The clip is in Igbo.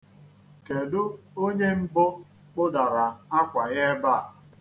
Kedu onye mbụ kpụdara akwa ya ebe a?